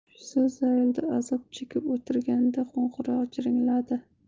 shu zaylda azob chekib o'tirganda qo'ng'iroq jiringladi